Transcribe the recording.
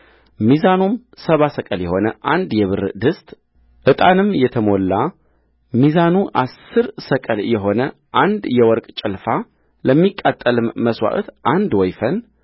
ሚዛኑም ሰባ ሰቅል የሆነ አንድ የብር ድስትዕጣንም የተሞላ ሚዛኑ አሥር ሰቅል የሆነ አንድ የወርቅ ጭልፋለሚቃጠልም መሥዋዕት አንድ ወይፈን